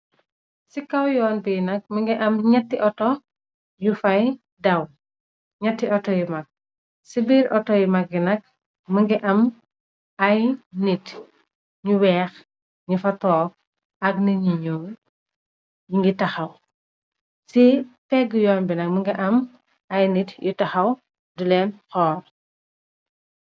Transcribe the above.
Ci kaw yoon bi nak mi ngi am ñatti auto yu fay daw, ñatti auto yu mag. ci biir auto yu magi nag më ngi am ay nit ñu weex ñu fa toog ak na ngi taxaw, ci pegg yoon bi nag mi nga am ay nit yu taxaw duleen xoor.